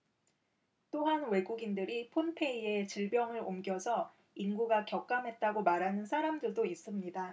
또한 외국인들이 폰페이에 질병을 옮겨서 인구가 격감했다고 말하는 사람들도 있습니다